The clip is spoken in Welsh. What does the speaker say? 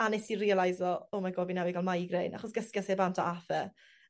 A nes i realiso oh my God fi newydd ga'l migraine achos gysges i e bant a ath e.